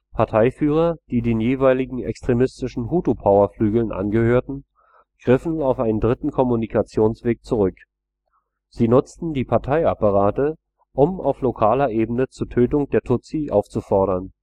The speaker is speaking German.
Parteiführer, die den jeweiligen extremistischen Hutu-Power-Flügeln angehörten, griffen auf einen dritten Kommunikationsweg zurück. Sie nutzen die Parteiapparate, um auf lokaler Ebene zur Tötung der Tutsi aufzufordern